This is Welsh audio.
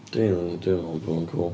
Dwi'n dwi'n meddwl bod o'n cŵl.